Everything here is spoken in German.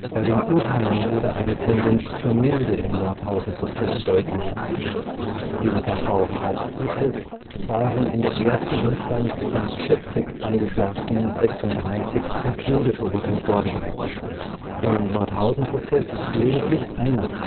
Bei den Urteilen wurde eine Tendenz zur Milde im Nordhausen-Prozess deutlich: Im Dachau-Hauptprozess waren in der ersten Instanz von 40 Angeklagten 36 zum Tode verurteilt worden, im Nordhausen-Prozess lediglich einer